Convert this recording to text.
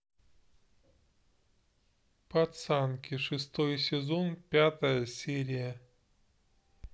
пацанки шестой сезон пятая серия